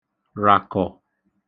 ràkọ̀